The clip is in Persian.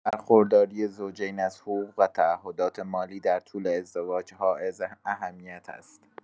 برخورداری زوجین از حقوق و تعهدات مالی در طول ازدواج حائز اهمیت است.